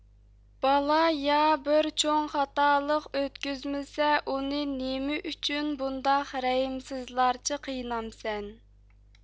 بالا يا بىر چوڭ خاتالىق ئۆتكۈزمىسە ئۇنى نېمە ئۈچۈن بۇنداق رەھىمسىزلارچە قىينامسەن